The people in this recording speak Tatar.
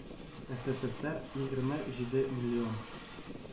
Эсэсэсэр егерме җиде миллион,